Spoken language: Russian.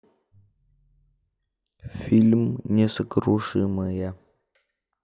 фильм несокрушимые